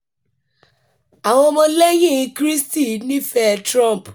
Àwọn Ọmọ lẹ́yìn-in Krístì nífẹ̀ẹ́ẹ Trump